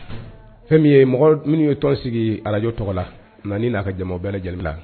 Fɛn min ye mɔgɔ minnu ye tɔn sigi alajo tɔgɔ la n'a ka jama bɛɛ lajɛlen